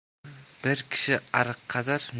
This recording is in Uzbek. bir kishi ariq qazar